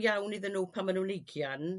iawn iddyn nhw pan ma'n nhw'n ugian